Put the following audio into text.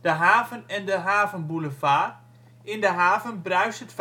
haven en de havenboulevard; in de haven bruist